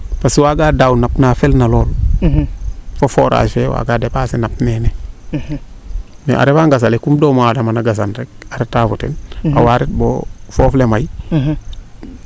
parce que waaga daaw nap naa fel na lool fo forage? fee waaga depasser nap neene mais a refa nga ŋasale comme doomu adama na gasan rek a reta fo ten awaa ret bo foof le may